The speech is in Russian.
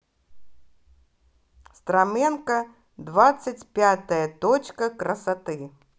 строменко двадцать пять точка красоты